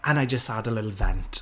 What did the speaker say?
and I just had a little vent.